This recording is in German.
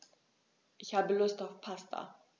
Ich habe Lust auf Pasta.